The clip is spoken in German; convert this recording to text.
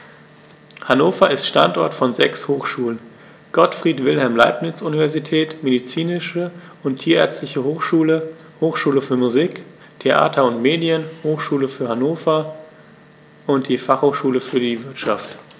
Hannover ist Standort von sechs Hochschulen: Gottfried Wilhelm Leibniz Universität, Medizinische und Tierärztliche Hochschule, Hochschule für Musik, Theater und Medien, Hochschule Hannover und die Fachhochschule für die Wirtschaft.